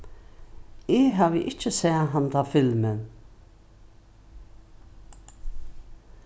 eg havi ikki sæð handan filmin